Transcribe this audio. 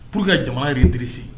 P walasaur que jama ye teririsi